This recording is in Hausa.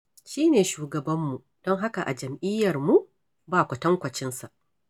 Shi ne shugabanmu, don haka a jam'iyyarmu ba kwatankwacinsa.